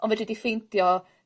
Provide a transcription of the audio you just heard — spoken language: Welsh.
ond fedri di ffeindio